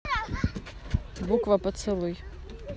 буква поцелуй